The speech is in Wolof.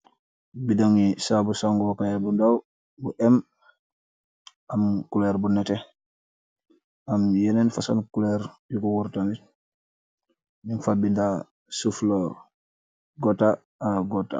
Bi doŋ gi saabu sangokaye bu ndaw bu em, am kuler bu nete am yeneen fasan kuler yuku wurtanit , num fa binda suflor gota ak gota.